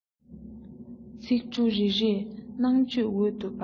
ཚིག འབྲུ རེ རེར རྣམ དཔྱོད འོད དུ འབར